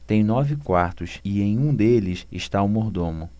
tem nove quartos e em um deles está o mordomo